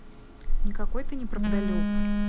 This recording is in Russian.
никакой ты не правдолюб